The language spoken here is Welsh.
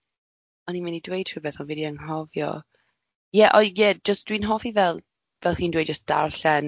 O'n i'n mynd i dweud rhywbeth ond fi di anghofio. Ie o ie jyst dwi'n hoffi fel fel chi'n dweud jyst darllen.